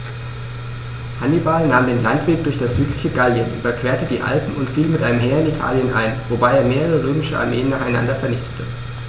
Hannibal nahm den Landweg durch das südliche Gallien, überquerte die Alpen und fiel mit einem Heer in Italien ein, wobei er mehrere römische Armeen nacheinander vernichtete.